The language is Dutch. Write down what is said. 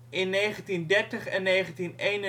In 1930 en 1931 werd een